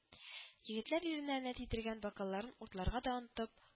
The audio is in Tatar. Егетләр иреннәренә тидергән бокалларын уртларга да онытып